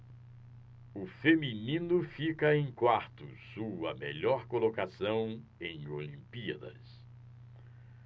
o feminino fica em quarto sua melhor colocação em olimpíadas